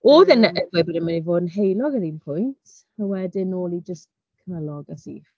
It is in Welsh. Oedd e'n... M-hm. ...e- by- fel bod e'n mynd i fod yn heulog ar un pwynt, a wedyn nôl i jyst cymylog a sych.